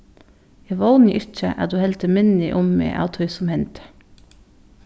eg vóni ikki at tú heldur minni um meg av tí sum hendi